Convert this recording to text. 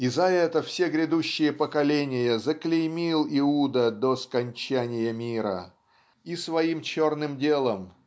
И за это все грядущие поколения заклеймил Иуда до скончания мира и своим черным делом